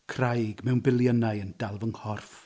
Craig mewn biliynau yn dal fy nghorff.